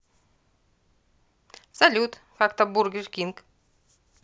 салют как то бургер кинг